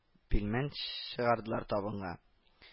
Пилмән ччыгардылар табынга